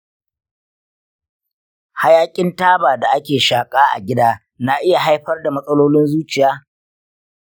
hayaƙin taba da ake shaƙa a gida na iya haifar da matsalolin zuciya?